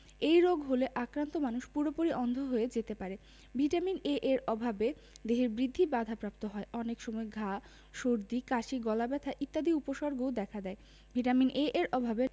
এই রোগ হলে আক্রান্ত মানুষ পুরোপুরি অন্ধ হয়ে যেতে পারে ভিটামিন এ এর অভাবে দেহের বৃদ্ধি বাধাপ্রাপ্ত হয় অনেক সময় ঘা সর্দি কাশি গলাব্যথা ইত্যাদি উপসর্গও দেখা দেয় ভিটামিন এ এর অভাবে